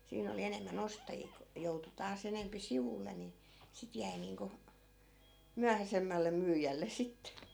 siinä oli enemmän ostajia kun joutui taas enempi sivulle niin sitten jäi niin kuin myöhäisemmälle myyjälle sitten